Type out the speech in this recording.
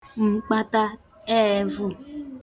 m̀kpataēvụ̀